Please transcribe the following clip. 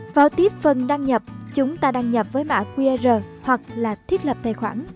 vào tiếp phần đăng nhập chúng ta đăng nhập với mã qr hoặc là thiết lập tài khoản